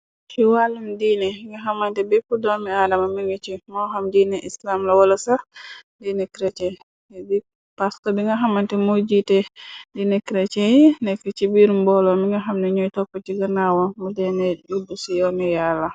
Ci wàllum diine nga xamante bépp doomi aadama mbir ngi ci, moo xam jiine islam la wala sax dine krece di, pasta bi nga xamante muy jiite dini krece, y nekk ci biiru mbooloo mi nga xamna ñuy topp ci ganaawa, mudeene yubb ci yooniyaala.